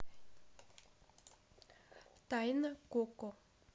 тайна коко